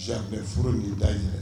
Si furu de da ye